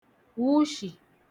wushì